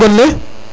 nam gon le